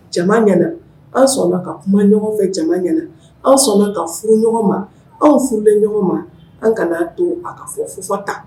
Jama ɲɛna an' sɔnna ka kuma ɲɔgɔn fɛ jama ɲɛna an' sɔnna ka furu ɲɔgɔn ma anw furulen ɲɔgɔn ma an' kan'a to a ka fɔ f fɔ tan